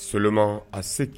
Seulement à ce